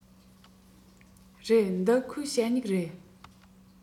རེད འདི ཁོའི ཞ སྨྱུག རེད